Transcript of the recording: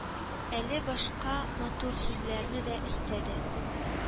Әле башка “матур” сүзләрне дә өстәде,